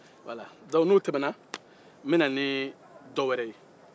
wala donc n'o tɛmɛna n bɛ na ni dɔwɔrɛ ye